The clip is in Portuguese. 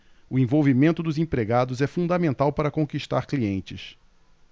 o envolvimento dos empregados é fundamental para conquistar clientes